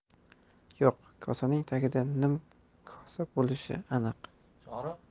yo'q kosaning tagida nim kosa bo'lishi aniq